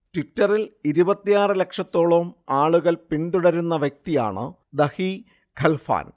ട്വിറ്ററിൽ ഇരുപത്തിയാറ് ലക്ഷത്തോളം ആളുകൾ പിന്തുടരുന്ന വ്യക്തിയാണ് ധഹി ഖൽഫാൻ